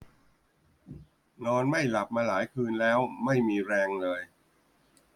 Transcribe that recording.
นอนไม่หลับมาหลายคืนแล้วไม่มีแรงเลย